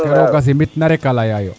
ke rooga simit na rek a leya yo